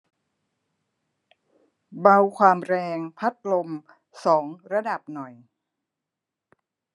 เบาความแรงพัดลมสองระดับหน่อย